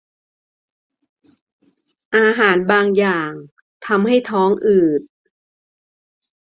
อาหารบางอย่างทำให้ท้องอืด